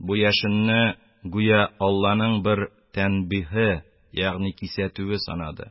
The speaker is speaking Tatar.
Бу яшенне, гүя, алланың бер тәинбиһе ягни кисәтүе санады.